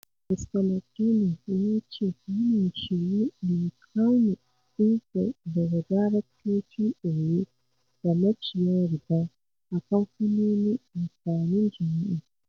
Mista McDonnell ya ce yana shirye da ya kame iko daga 'daraktocin ɓoye' da 'maciya riba' a kamfanonin amfanin jama'a.